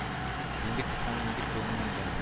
Нинди кысан нинди кыен монда